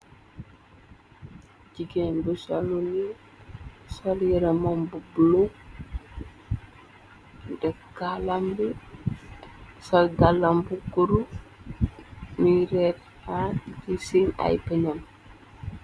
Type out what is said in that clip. jiggéen bu salu ni salyera mom bu blog de kaalam bi sal galam bu guru miy reetaa gi siin ay penam